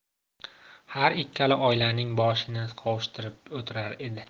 har ikkala oilaning boshini qovushtirib o'tirar edi